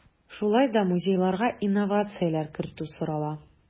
Шулай да музейларга инновацияләр кертү сорала.